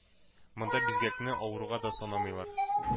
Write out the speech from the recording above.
Монда бизгәкне авыруга да санамыйлар.